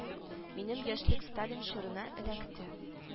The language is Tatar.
Минем яшьлек сталин чорына эләкте